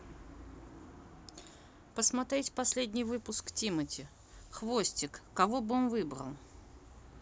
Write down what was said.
посмотреть последний выпуск тимати хвостик кого он выбрал